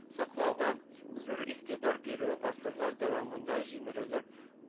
Саклауга зур игътибар бирүе гасырлар дәвамында җимерелеп